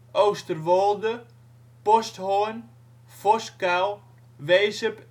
Oosterwolde, Posthoorn, Voskuil, Wezep